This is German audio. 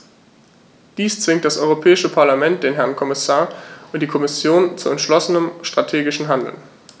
Dies zwingt das Europäische Parlament, den Herrn Kommissar und die Kommission zu entschlossenem strategischen Handeln.